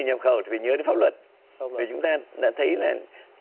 nhập khẩu thì phải nhớ đến pháp luật vì chúng ta đã thấy là